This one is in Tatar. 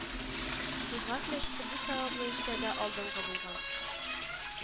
Ихлас мәчете бу саваплы эштә дә алдынгы булган